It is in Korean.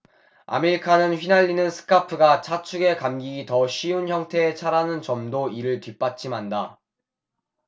아밀카는 휘날리는 스카프가 차축에 감기기 더 쉬운 형태의 차라는 점도 이를 뒷받침한다